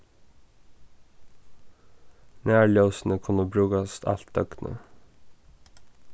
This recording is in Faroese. nærljósini kunnu brúkast alt døgnið